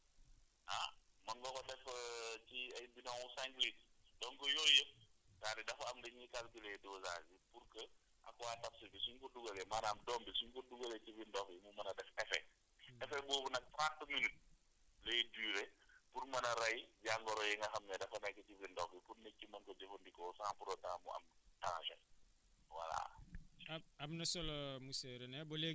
mun nga ko def ci ay bidons ah mun nga ko def ci ay bidons yu cinq litres donc yooyu yëpp c' est à dire dafa am nu ñuy calculer dosage bi pour que Aquatabs bi su ñu ko dugalee maanaam doom ji su ñu ko dugalee ci biir ndox mi mu mën a def effet effet boobu nag trente minutes lay durer pour mën a rey jangoro yi nga xam ne dafa nekk ci biir ndox bi pour nit yi mën ko jëfandikoo sans pour autant mu am danger voilà